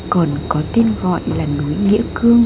còn có tên gọi là núi nghĩa cương